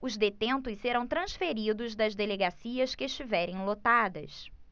os detentos serão transferidos das delegacias que estiverem lotadas